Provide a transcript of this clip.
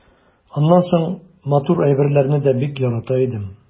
Аннан соң матур әйберләрне дә бик ярата идем.